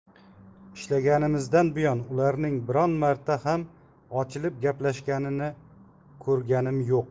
ishlaganimizdan buyon ularning biron marta ham ochilib gaplashganini ko'rganim yo'q